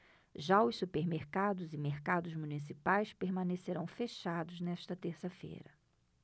já os supermercados e mercados municipais permanecerão fechados nesta terça-feira